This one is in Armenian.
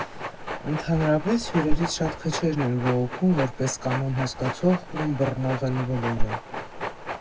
Ընդհանրապես, հյուրերից շատ քչերն են բողոքում, որպես կանոն՝ հասկացող ու ըմբռնող են բոլորը։